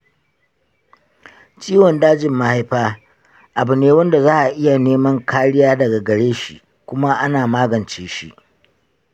ciwon dajin mahaifa abune wanda za'a iya neman kariya daga gare shi kuma ana magan ce shi.